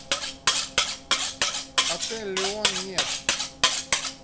отель лион нет